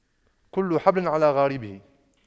كل حبل على غاربه